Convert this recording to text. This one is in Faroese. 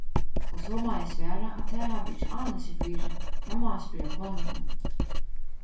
og so má eg svara at tað havi eg ikki ánilsi fyri tað má hann spyrja konuna um